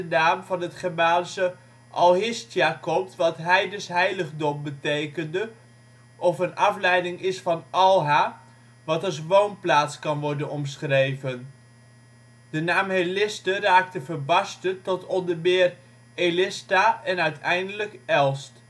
naam van het Germaanse * alhistja komt wat " heidens heiligdom " betekende of een afleiding is van * alha, wat als " woonplaats " kan worden omschreven. De naam Heliste raakte verbasterd tot onder meer Elistha en uiteindelijk Elst